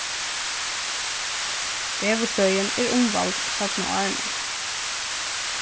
veðurstøðin er umvæld seinnu árini